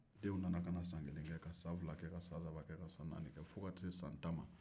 denw nana ka na san kelen kɛ ka san fila kɛ ka san saba kɛ ka san naani kɛ fo ka se san tan ma